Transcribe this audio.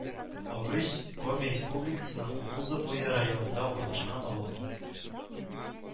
Орысь Коми Республикасының Луза буе районында урнашкан авыл